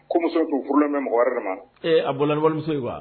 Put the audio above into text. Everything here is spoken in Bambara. Ko muso t'u furulen bɛ mɔgɔ wɛrɛ de ma a bɔra lawalemuso ye wa